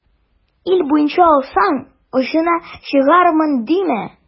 Ил буенча алсаң, очына чыгармын димә.